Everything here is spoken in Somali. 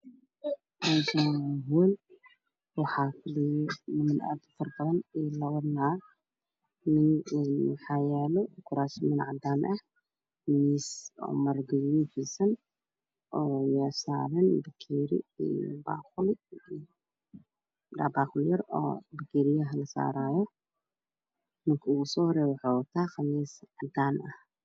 Meeshaan waa hool waxaa fadhiyo niman aad ufaro badan iyo labo nin ah hortooda waxaa yaalo kuraasmo cadaan ah miis maro guduud fidsan oo saaran bakeeri iyo baaquli dhacdhac yar oo bakeeriyaha la saaraayo ninka oogu soo horeeyo wuxuu wataa qamiis cadaan ah